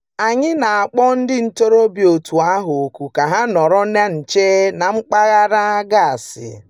Anyị na-akpọ ndị ntorobịa òtù ahụ òkù ka ha nọrọ na nche na mpaghara gasị.